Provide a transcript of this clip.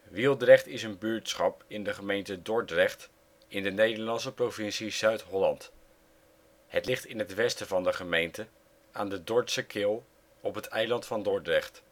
Wieldrecht is een buurtschap in de gemeente Dordrecht, in de Nederlandse provincie Zuid-Holland. Het ligt in het westen van de gemeente aan de Dordtse Kil op het Eiland van Dordrecht